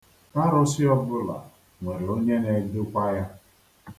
Arụsị ọbụla nwere onye na-edokwa ya.